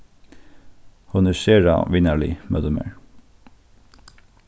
hon er sera vinarlig móti mær